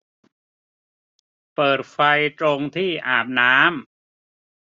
เปิดไฟตรงที่อาบน้ำ